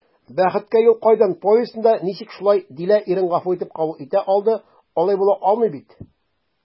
«бәхеткә юл кайдан» повестенда ничек шулай дилә ирен гафу итеп кабул итә алды, алай була алмый бит?»